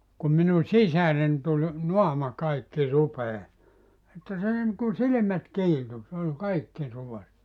kun minun sisareni tuli naama kaikki rupea että se niin kuin silmät kiiltui se oli kaikki ruvessa